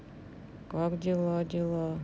как дела дела